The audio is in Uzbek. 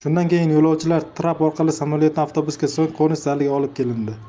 shundan keyin yo'lovchilar trap orqali samolyotdan avtobusga so'ng qo'nish zaliga olib kelindi